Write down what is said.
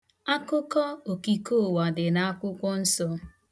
Akụkọ okike ụwa dị n' akwụkwọnsọ.